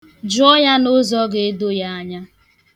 Jụọ ya n'ụzọ ga-edo ya anya.